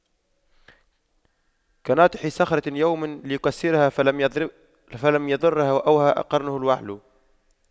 كناطح صخرة يوما ليكسرها فلم يضرها وأوهى قرنه الوعل